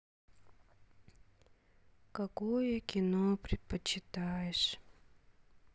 какое кино предпочитаешь